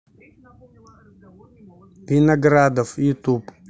виноградов ютуб